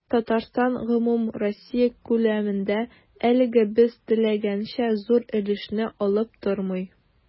Татарстан гомумроссия күләмендә, әлегә без теләгәнчә, зур өлешне алып тормый.